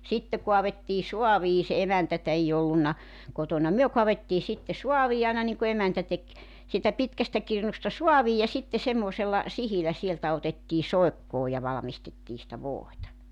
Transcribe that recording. sitten kaadettiin saaviin se emäntää ei ollut kotona me kaadettiin sitten saaviin aina niin kuin emäntä teki siitä pitkästä kirnusta saaviin ja sitten semmoisella sihdillä sieltä otettiin soikkoon ja valmistettiin sitä voita